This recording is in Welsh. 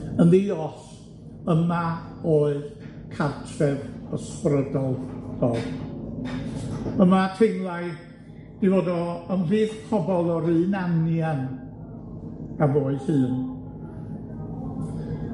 Yn ddi-os, yma oedd cartref ysbrydol Dodd. Yma teimlai 'i fod o ymhlith pobol o'r un anian a fo ei hun.